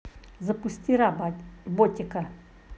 запусти ра ботика